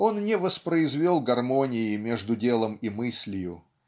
Он не воспроизвел гармонии между делом и мыслью